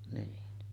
niin